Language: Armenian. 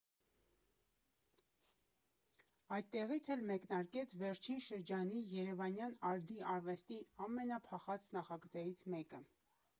Այդտեղից էլ մեկնարկեց վերջին շրջանի երևանյան արդի արվեստի ամենափախած նախագծերից մեկը։